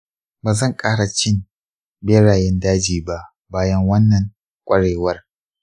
ba zan ƙara cin berayen daji ba bayan wannan ƙwarewar.